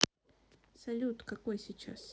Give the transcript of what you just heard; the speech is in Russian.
салют какой сейчас